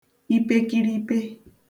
ipekiripe